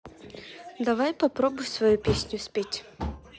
давай попробуй свою песню спеть